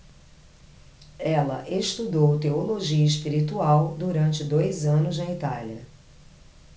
ela estudou teologia espiritual durante dois anos na itália